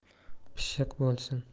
pishiq bo'lsin